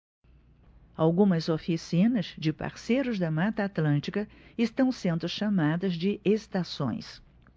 algumas oficinas de parceiros da mata atlântica estão sendo chamadas de estações